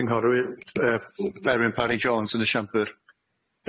Cynghorwyr yy Berwyn Parry Jones yn y siambwr.